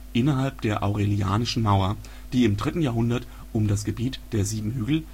innerhalb der Aurelianischen Mauer, die im 3. Jahrhundert um das Gebiet der sieben Hügel